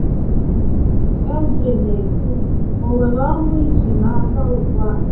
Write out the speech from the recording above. MJ: O nwere ọrụ ị ji n’aka ugbu a?